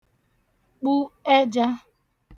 kpu ẹjā